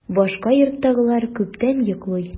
Башка йорттагылар күптән йоклый.